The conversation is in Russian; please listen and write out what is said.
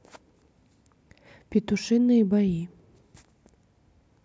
петушиные бои